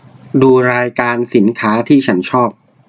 ดูรายการสินค้าที่ฉันชอบ